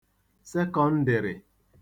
sekọǹdị̀rị̀